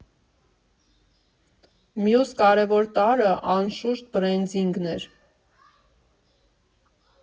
Մյուս կարևոր տարրը, անշուշտ, բրենդինգն էր։